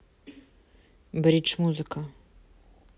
бридж музыка